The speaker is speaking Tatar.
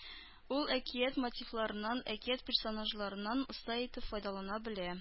Ул әкият мотивларыннан, әкият персонажларыннан оста итеп файдалана белә